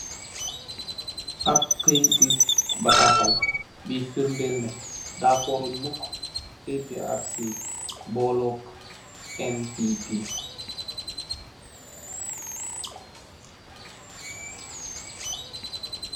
Ap kayiti bataxel bui ferdël neh dakuron neh APRC boloh ak NPP.